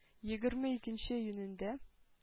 Егерме икенче июнендә